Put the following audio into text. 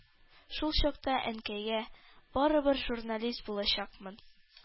Шул чакта Әнкәйгә: ”Барыбер журналист булачакмын,